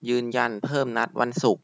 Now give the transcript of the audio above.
ยืนยันเพิ่มนัดวันศุกร์